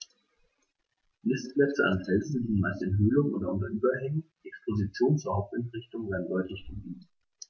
Nistplätze an Felsen liegen meist in Höhlungen oder unter Überhängen, Expositionen zur Hauptwindrichtung werden deutlich gemieden.